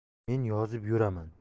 men yozib yuraman